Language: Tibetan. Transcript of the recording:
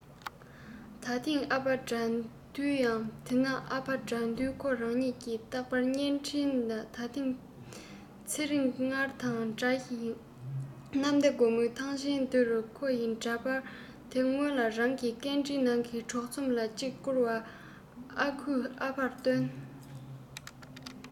ད ཐེངས ཨ ཕ དགྲ འདུལ ཡང དེ ན ཨ ཕ དགྲ འདུལ ཁོ རང ཉིད ཀྱི རྟག པར བརྙན འཕྲིན ད ཐེངས ཚེ རིང སྔར དང འདྲ ཞིང ཞིང གནམ བདེ སྒོ མོའི ཐང ཆེན དེ རུ ཁོ ཡི འདྲ པར དེ སྔོན ལ རང གི སྐད འཕྲིན ནང གི གྲོགས ཚོམ ལ གཅིག བསྐུར བ ཨ ཁུས ཨ ཕར སྟོན